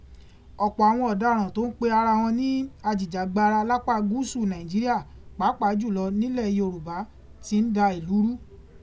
Ọ̀pọ̀ àwọn ọ̀daràn tó ń pe ara wọn ní ajìjàgbara lápa Gúúsù Nàìjíríà pàápàá jùlọ nílẹ̀ Yorùbá ti ń da ìlú rú.